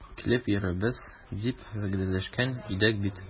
Килеп йөрербез дип вәгъдәләшкән идек бит.